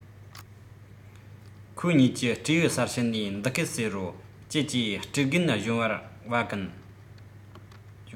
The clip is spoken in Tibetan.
ཁོས གཉིས ཀྱི སྤྲེའུའི སར ཕྱིན ནས འདི སྐད ཟེར རོ ཀྱེ ཀྱེ སྤྲེའུ རྒན གཞོན བར བ ཀུན